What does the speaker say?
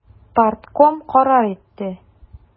Партком карар итте.